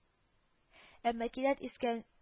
Әмма кинәт искән